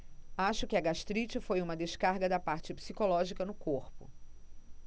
acho que a gastrite foi uma descarga da parte psicológica no corpo